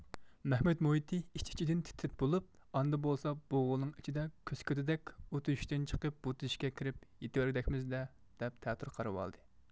مەھمۇت مۇھىتى ئىچ ئىچىدىن تىت تىت بولۇپ ئاندا بولسا بۇ غولنىڭ ئىچىدە كۆسۆتكىدەك ئۇ تۆشۈكتىن چىقىپ بۇ تۆشۈككە كىرىپ يېتىۋەگۈدەكمىز دە دەپ تەتۈر قارىۋالدى